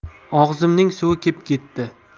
og'zimning suvi kep ketdi